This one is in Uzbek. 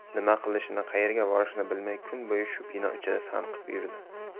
nima qilishni qaerga borishni bilmay kun bo'yi shu bino ichida sanqib yurdi